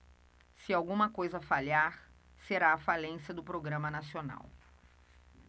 se alguma coisa falhar será a falência do programa nacional